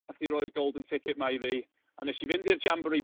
Wnaeth hi roi'r golden ticket 'ma i fi, a wnes i fynd i'r jambori.